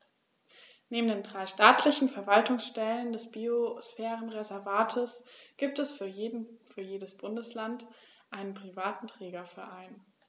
Neben den drei staatlichen Verwaltungsstellen des Biosphärenreservates gibt es für jedes Bundesland einen privaten Trägerverein.